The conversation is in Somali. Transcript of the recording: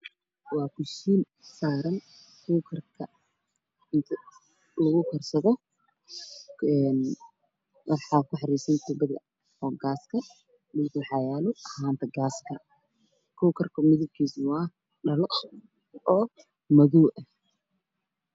Waa kuukar waxaa lagu karsado kalarkiis yahay madow wuxuu saaraya a miis caddaan dhulka waa burger